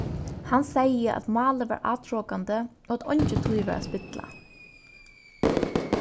hann segði at málið var átrokandi og at eingin tíð var at spilla